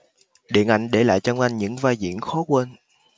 điện ảnh để lại trong anh những vai diễn khó quên